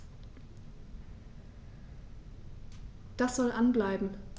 Das soll an bleiben.